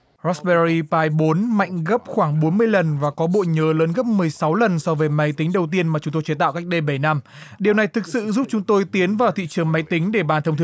rót pe ri pai bốn mạnh gấp khoảng bốn mươi lần và có bộ nhớ lớn gấp mười sáu lần so với máy tính đầu tiên mà chúng tôi chế tạo cách đây bảy năm điều này thực sự giúp chúng tôi tiến vào thị trường máy tính để bàn thông